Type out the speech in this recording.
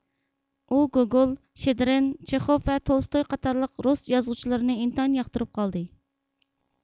ئۇ گوگول شېدرىن چېخوف ۋە تولستوي قاتارلىق رۇس يازغۇچىلىرىنى ئىنتايىن ياقتۇرۇپ قالدى